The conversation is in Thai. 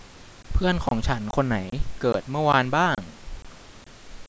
เพื่อนของฉันคนไหนเกิดเมื่อวานบ้าง